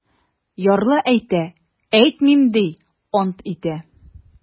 Ярлы әйтә: - әйтмим, - ди, ант итә.